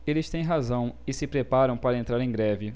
eles têm razão e se preparam para entrar em greve